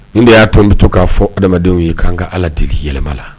N de y'a tɔn bɛ to k'a fɔ adamadenw ye k'an ka ala deli yɛlɛma la